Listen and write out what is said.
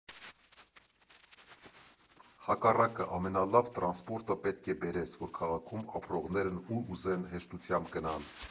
Հակառակը՝ ամենալավ տրանսպորտը պետք է բերես, որ քաղաքում ապրողներն ուր ուզեն, հեշտությամբ գնան։